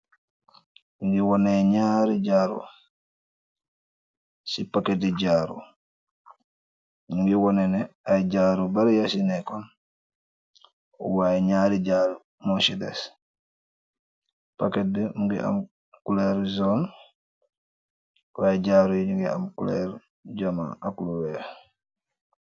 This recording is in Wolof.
ngi wone ñaari jaaru ci paketi jaaru ngi wone ne ay jaaru baraya ci nekoon waaye ñaari jaaru moche des pakket ngi am kuleer zon waaye jaaru yi ngi am kuleeru joman ak lu weex